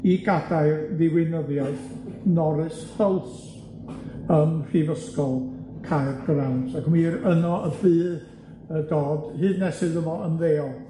i gadair ddiwinyddiaeth Norris Hulse ym Mhrifysgol Caergrawnt, ac mir r- yno y bydd yy Dodd hyd nes iddo fo ymddeol